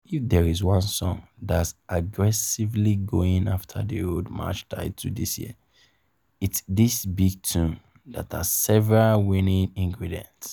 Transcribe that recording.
If there's one song that's aggressively going after the Road March title this year, it's this big tune that has several winning ingredients: